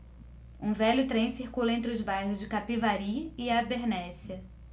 um velho trem circula entre os bairros de capivari e abernéssia